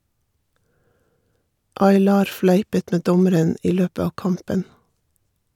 Aylar fleipet med dommeren i løpet av kampen.